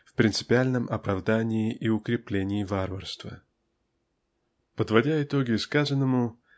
в принципиальном оправдании и укреплении варварства. Подводя итоги сказанному